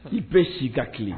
I bɛɛ si da kelen